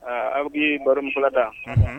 Aa aw' baroinkala da